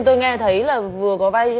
tôi nghe thấy là vừa có vai